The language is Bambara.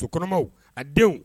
Totokɔnɔma, a denw